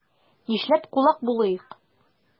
Нишләп кулак булыйк?